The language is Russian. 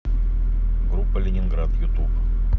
группа ленинград ютуб